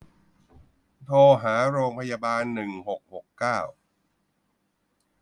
โทรหาโรงพยาบาลหนึ่งหกหกเก้า